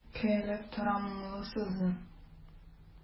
Көйләп тора моңлы сазы.